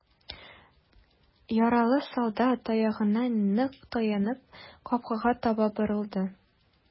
Яралы солдат, таягына нык таянып, капкага таба борылды.